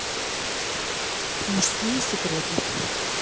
мужские секреты